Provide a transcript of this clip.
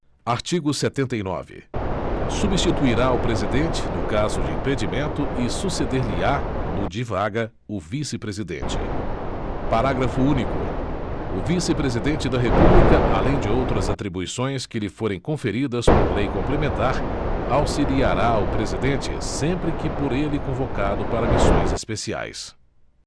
artigo setenta e nove substituirá o presidente no caso de impedimento e suceder lhe á no de vaga o vice presidente parágrafo único o vice presidente da república além de outras atribuições que lhe forem conferidas por lei complementar auxiliará o presidente sempre que por ele convocado para missões especiais